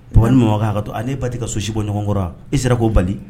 Makan ka to ale ba ka so sikoɲɔgɔnkɔrɔ i sera k ko bali